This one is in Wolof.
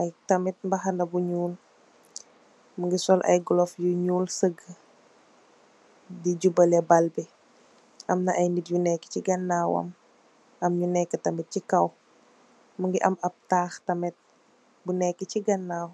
ak tamitt mbahanaa bu nyoul, mungii soll aii glove you wehk teh mungii sagaa, dii jubalii ball bii, amnaa aii nitt you nekaa sii ganawamm, ak sii kaww tahk bu wehk.